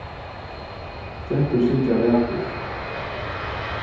gentur syngja vakurt